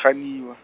ganiwa.